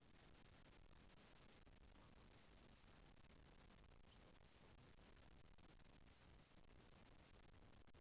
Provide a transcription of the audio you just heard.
мама мне вкусно что мы с тобой написано всегда утро